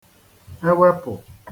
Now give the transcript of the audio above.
ewepụ̀